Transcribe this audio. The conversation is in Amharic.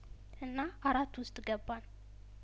እና አራት ውስጥ ገባን